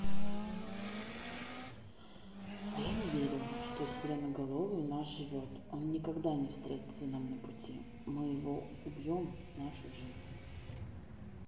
а я не верю что сиреноголовый у нас живет он никогда не встретиться нам на пути мы его убьем нашу жизнь